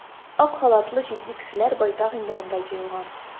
Ак халатлы җитди кешеләр байтак инде монда җыелган.